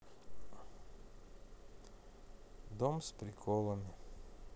дом с приколами